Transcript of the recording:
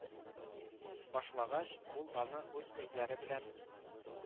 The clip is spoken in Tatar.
Башлагач, ул аны үз күзләре белән